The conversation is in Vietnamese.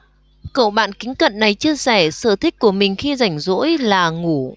cậu bạn kính cận này chia sẻ sở thích của mình khi rảnh rỗi là ngủ